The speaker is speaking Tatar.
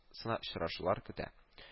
Сына очрашулар көтә